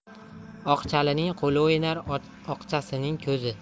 oqchalining qo'li o'ynar oqchasizning ko'zi